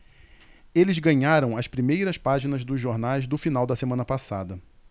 eles ganharam as primeiras páginas dos jornais do final da semana passada